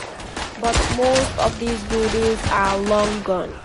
But most of these buildings are long gone.